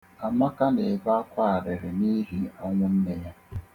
Amaka na-ebe akwa arịrị n'ihi ọnwụ nne ya.